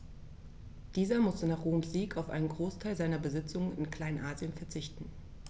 Dieser musste nach Roms Sieg auf einen Großteil seiner Besitzungen in Kleinasien verzichten.